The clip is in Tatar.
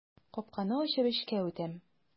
Капканы ачып эчкә үтәм.